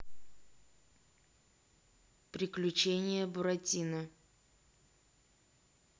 приключения буратино